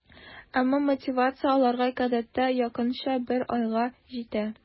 Әмма мотивация аларга гадәттә якынча бер айга җитә.